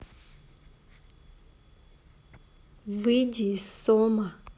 выйди из сома